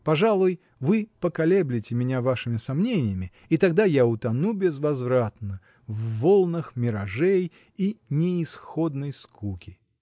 Пожалуй, вы поколеблете меня вашими сомнениями — и тогда я утону безвозвратно в волнах миражей и неисходной скуки!